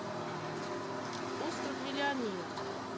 остров миллионера